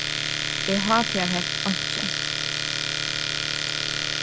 eg hátíðarhelt einki